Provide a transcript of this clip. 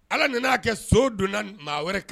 Ala nana'a kɛ so donna maa wɛrɛ kan